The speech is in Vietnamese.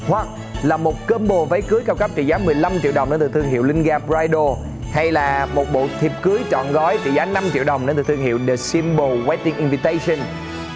hoặc là một com bồ váy cưới cao cấp trị giá mười lăm triệu đồng đến từ thương hiệu lin ga bờ roai đồ hay là một bộ thiệp cưới trọn gói trị giá năm triệu đồng để được thương hiệu đờ sim pồ guết tinh in vơ tây sừn